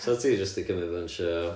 so ti jyst yn cymyd bunch o...